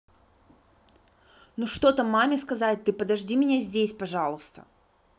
ну что то маме сказать ты подожди меня здесь пожалуйста